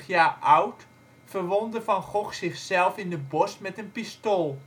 jaar oud, verwondde Van Gogh zichzelf in de borst met een pistool